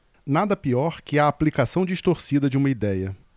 nada pior que a aplicação distorcida de uma idéia